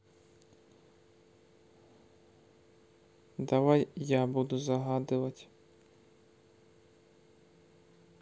давай я буду загадывать